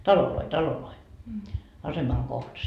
taloja taloja aseman kohdassa